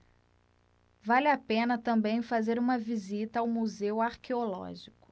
vale a pena também fazer uma visita ao museu arqueológico